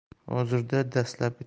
hozirda dastlabki tergov